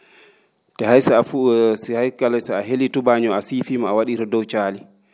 te hay so a fo hay kala so a heeli tubaañoo a siifiima a wa?ii ro dow caali